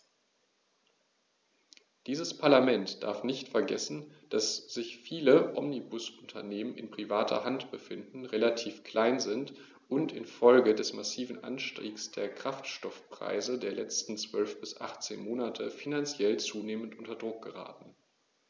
Dieses Parlament darf nicht vergessen, dass sich viele Omnibusunternehmen in privater Hand befinden, relativ klein sind und in Folge des massiven Anstiegs der Kraftstoffpreise der letzten 12 bis 18 Monate finanziell zunehmend unter Druck geraten.